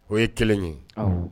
O ye kelen ye